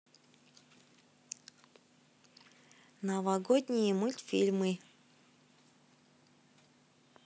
новогодние мультфильмы